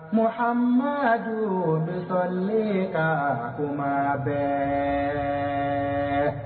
Mohamaadu rubi kaali ka kuma bɛɛɛɛɛ